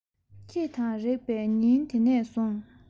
ཁྱེད དང རེག པའི ཉིན དེ ནས བཟུང